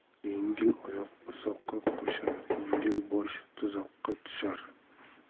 yengil oyoq uzoqqa qo'shar yengil bosh tuzoqqa tushar